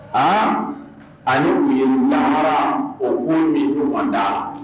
A a ye mun ye lamɔra o ko niuganda la